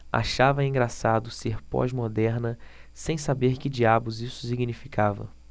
achava engraçado ser pós-moderna sem saber que diabos isso significava